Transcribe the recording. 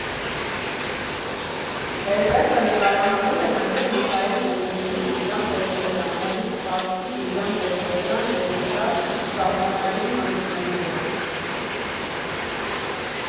Հերբերտը նկարահանել է նաև Միխայիլ Բոտվիննիկ ֊ Տիգրան Պետրոսյան, Բորիս Սպասկի ֊ Տիգրան Պետրոսյան լեգենդար շախմատային հանդիպումները։